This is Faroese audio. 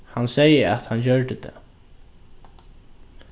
hann segði at hann gjørdi tað